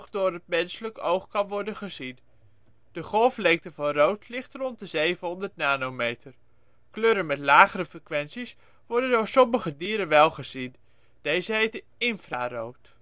door het menselijk oog kan worden gezien. De golflengte van rood licht ligt rond de 700 nanometer. Kleuren met lagere frequenties worden door sommige dieren wel gezien. Deze heten infrarood